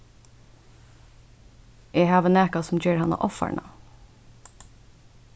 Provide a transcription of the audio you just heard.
eg havi nakað sum ger hana ovfarna